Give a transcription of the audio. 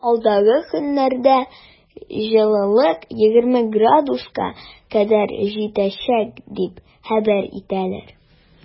Алдагы көннәрдә җылылык 20 градуска кадәр җитәчәк дип хәбәр итәләр.